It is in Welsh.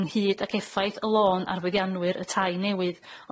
ynghyd ag effaith y lôn ar feddiannwyr y tai newydd